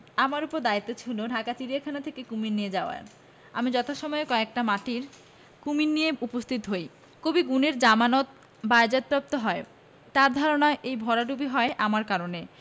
আমার উপর দায়িত্ব ছিল ঢাকা চিড়িয়াখানা থেকে কুমীর নিয়ে যাওয়ার আমি যথাসময়ে কয়েকটা মাটির কুমীর নিয়ে উপস্থিত হই কবি গুণের জামানত বাজেয়াপ্ত হয় তাঁর ধারণা এই ভরাডুবি হয় আমার কারণে